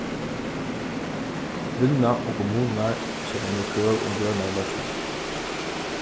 vinna og kommunurnar seta nú krøv um grønari loysnir